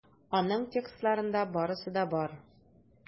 Аның текстларында барысы да бар.